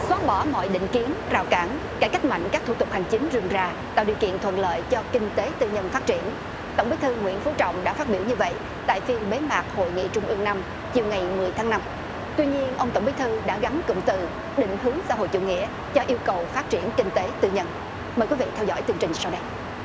xóa bỏ mọi định kiến rào cản cải cách mạnh các thủ tục hành chính rườm rà tạo điều kiện thuận lợi cho kinh tế tư nhân phát triển tổng bí thư nguyễn phú trọng đã phát biểu như vậy tại phiên bế mạc hội nghị trung ương nằm chiều ngày mười tháng năm tuy nhiên ông tổng bí thư đã gắn cụm từ định hướng xã hội chủ nghĩa cho yêu cầu phát triển kinh tế tư nhân mời quý vị theo dõi tường trình sau đây